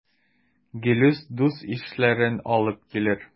Гелүс дус-ишләрен алып килер.